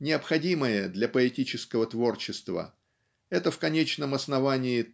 необходимое для поэтического творчества это в конечном основании